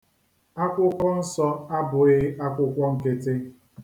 Akwụkwọ nsọ abụghị akwụkwọ nkịtị.